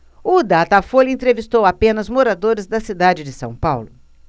o datafolha entrevistou apenas moradores da cidade de são paulo